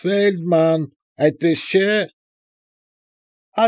Ֆե՛յլդման, այնպես չէ։ ֊